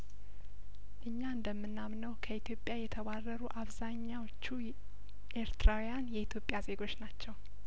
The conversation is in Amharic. እኛ እንደምናም ነው ከኢትዮጵያ የተባረሩ አብዛኛዎቹ የኤርትራውያን የኢትዮጵያ ዜጐች ናቸው